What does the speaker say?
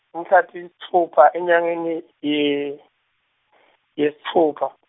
kutsatfu sitfupha enyangeni ye yesitfupha.